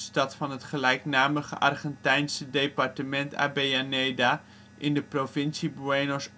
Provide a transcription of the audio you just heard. gelijknamige Argentijnse departement Avellaneda in de provincie Buenos